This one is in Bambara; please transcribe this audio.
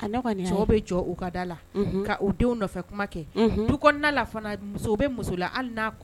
Jɔ du muso bɛ muso la